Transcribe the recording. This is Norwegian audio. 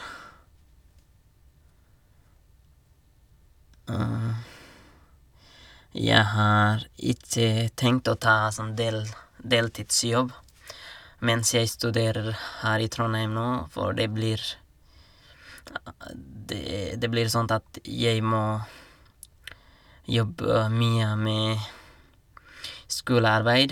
Jeg har ikke tenkt å ta sånn del deltidsjobb mens jeg studerer her i Trondheim nå, for det blir det det blir sånt at jeg må jobbe mye med skolearbeid.